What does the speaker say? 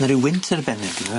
Ma' ryw wynt arbenig on'd yw e?